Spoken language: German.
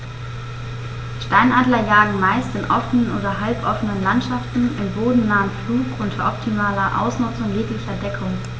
Steinadler jagen meist in offenen oder halboffenen Landschaften im bodennahen Flug unter optimaler Ausnutzung jeglicher Deckung.